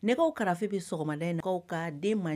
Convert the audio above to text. Nɛgɛ karafin bɛ sɔgɔmada ka den man